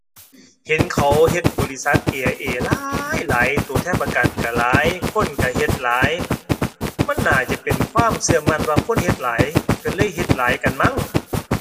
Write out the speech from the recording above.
เห็นเขาเฮ็ดบริษัท AIA หลายหลาย ตัวแทนประกันตัวหลาย คนตัวเฮ็ดหลาย มันน่าจะเป็นความตัวมั่นว่าคนเฮ็ดหลายตัวเลยเฮ็ดหลายกันมั่ง